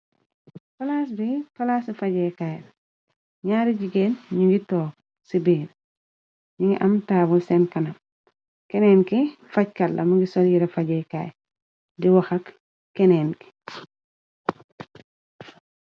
Palaas bi palasi fajeekaay ñaari jigéen ñu ngi toog ci biin ñi. Ngi am taabal seen kanab keneen ki fajkat lamu. Ngi solyira fajeekaay di waxak kenneen gi.